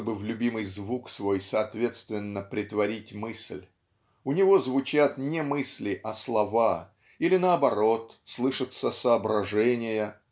чтобы в любимый звук свой соответственно претворить мысль у него звучат не мысли а слова или наоборот слышатся соображения